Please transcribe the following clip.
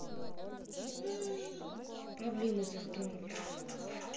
проблемы с артуром